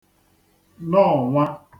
nọọ̀nwa